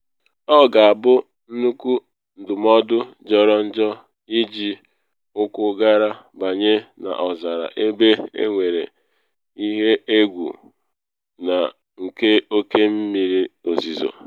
Ọ ga-abụ nnukwu ndụmọdụ jọrọ njọ iji ụkwụ gara banye n’ọzara ebe enwere ihe egwu nke oke mmiri ozizo.